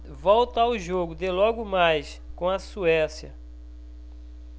volto ao jogo de logo mais com a suécia